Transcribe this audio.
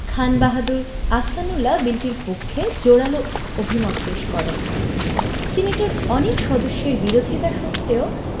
খান বাহাদুর আহসানউল্লাহ বিলটির পক্ষে জোরালো অভিমত পেশ করেন সিনেটের অনেক সদস্যের বিরোধিতা সত্ত্বেও